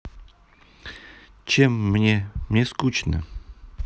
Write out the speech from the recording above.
чем мне мне скучно